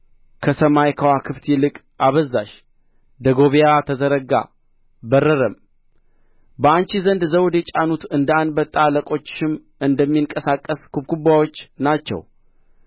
ከሰማይ ከዋክብት ይልቅ አበዛሽ ደጎብያ ተዘረጋ በረረም በአንቺ ዘንድ ዘውድ የጫኑት እንደ አንበጣ አለቆችሽም እንደሚንቀሳቀሱ ኩብኩባዎች ናቸው